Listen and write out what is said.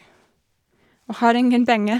Og har ingen penger.